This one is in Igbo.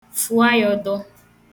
fuayaọdọ